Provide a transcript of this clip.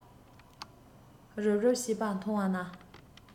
རུབ རུབ བྱེད པ མཐོང བ ན